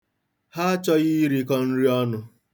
Ha achọghị irikọ nri ọnụ.